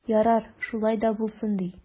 Ярар, шулай да булсын ди.